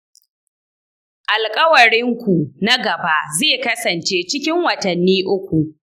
alƙawarinku na gaba zai kasance cikin watanni uku.